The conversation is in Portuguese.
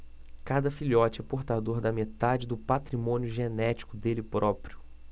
cada filhote é portador da metade do patrimônio genético dele próprio